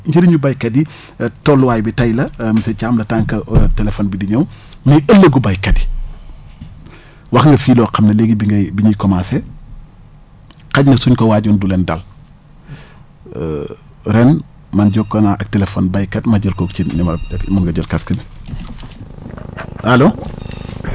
njëriñu béykat yi ak taxawaay bi njëriñu béykat yi tolluwaay bi tey la monsieur Thiam le temps que téléphone bi di ñëw mais ëllëgu béykat yi wax nga fi loo xam ne léegi bi ngay bi ñuy commencé xaj na suñ ko waajoon du leen dal ren man jokkoo naa ak téléphone béykat ma jël kooku ci numéro mun nga jël casque bi allo